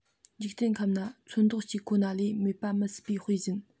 འཇིག རྟེན ཁམས ན ཚོན མདོག གཅིག ཁོ ན ལས མེད པ མི སྲིད པའི དཔེ བཞིན